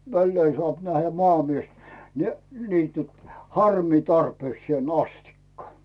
väleen saa nähdä maamies niin niityt harmia tarpeekseen asti